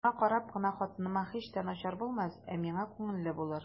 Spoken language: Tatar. Моңа карап кына хатыныма һич тә начар булмас, ә миңа күңелле булыр.